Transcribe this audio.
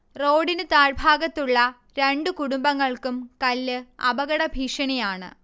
റോഡിന് താഴ്ഭാഗത്തുള്ള രണ്ട് കുടുംബങ്ങൾക്കും കല്ല് അപകടഭീഷണിയാണ്